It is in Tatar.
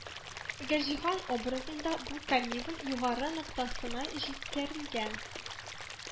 Гөлҗиһан образында бу комизм югары ноктасына җиткерелгән